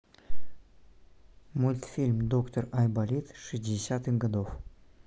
мультфильм доктор айболит шестидесятых годов